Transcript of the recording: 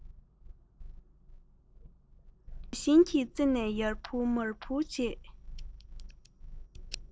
ན ཤིང གི རྩེ ནས ཡར འཕུར མར འཕུར བྱེད